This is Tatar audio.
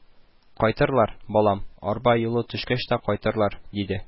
– кайтырлар, балам, арба юлы төшкәч тә кайтырлар, – диде